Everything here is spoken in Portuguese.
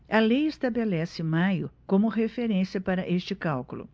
a lei estabelece maio como referência para este cálculo